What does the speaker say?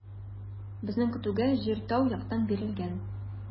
Безнең көтүгә җир тау яктан бирелгән.